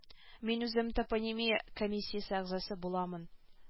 Мин үзем топонимия комиссиясе әгъзасы буламын